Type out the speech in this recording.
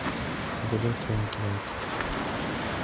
угадай тренд лайк